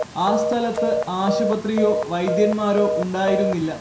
ആ സ്ഥലത്ത് ആശുപത്രിയോ വൈദ്യന്മാരോ ഉണ്ടായിരുന്നില്ല